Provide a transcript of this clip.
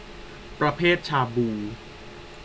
ประเภทชาบู